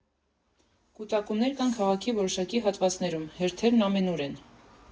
Կուտակումներ կան քաղաքի որոշակի հատվածներում, հերթերն ամենուր են։